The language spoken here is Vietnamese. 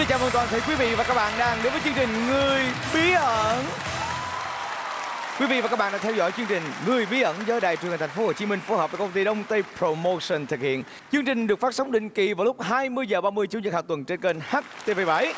chào mừng toàn thể quý vị và các bạn đang đến với chương trình người bí ẩn quý vị và các bạn đang theo dõi chương trình người bí ẩn do đài truyền hình thành phố hồ chí minh phối hợp với công ty đông tây pờ rồ mâu sừn thực hiện chương trình được phát sóng định kỳ vào lúc hai mươi giờ ba mươi chủ nhật hàng tuần trên kênh hát tê vê bảy